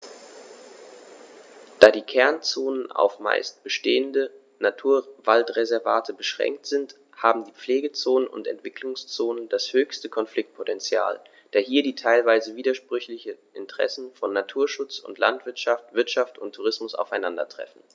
Da die Kernzonen auf – zumeist bestehende – Naturwaldreservate beschränkt sind, haben die Pflegezonen und Entwicklungszonen das höchste Konfliktpotential, da hier die teilweise widersprüchlichen Interessen von Naturschutz und Landwirtschaft, Wirtschaft und Tourismus aufeinandertreffen.